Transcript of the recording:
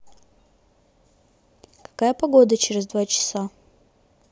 какая погода через два часа